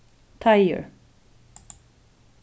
teigur